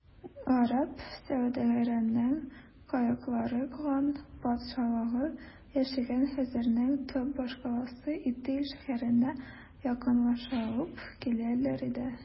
Гарәп сәүдәгәренең каеклары каган патшалыгы яшәгән хәзәрнең төп башкаласы Итил шәһәренә якынлашып киләләр иде.